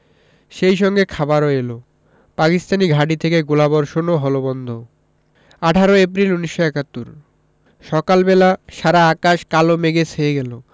সেই সঙ্গে খাবারও এলো পাকিস্তানি ঘাঁটি থেকে গোলাবর্ষণও হলো বন্ধ ১৮ এপ্রিল ১৯৭১ সকাল বেলা সারা আকাশ কালো মেঘে ছেয়ে গেল